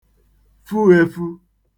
fu ēfū